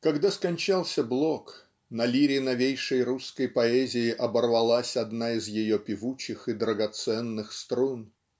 Когда скончался Блок на лире новейшей русской поэзии оборвалась одна из ее певучих и драгоценных струн.